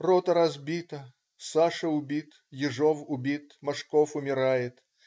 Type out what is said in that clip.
"Рота разбита, Саша убит, Ежов убит, Мошков умирает.